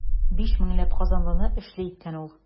Биш меңләп казанлыны эшле иткән ул.